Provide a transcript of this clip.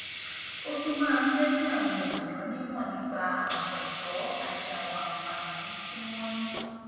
Ó tún máa ń jẹ́ kí àwọn ènìyàn nímọ̀ nípa àwọn ẹ̀tọ̀ àti àwọn àǹfààní tí wọ́n ní.